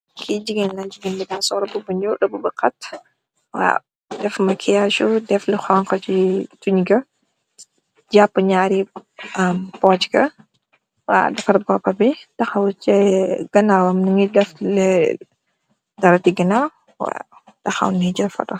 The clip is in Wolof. Kii jigéen la, jigéen ji daal sol roobu bu ñuul, bu xat. Waaw, def maki yaasu, def lu xoñgu ci ndinga, defar boopa bi, ci ganaawam, mu ngi def dara si ganaaw, waaw, taxaw ni jël foto.